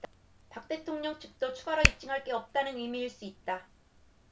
박 대통령 측도 추가로 입증할 게 없다는 의미일 수 있다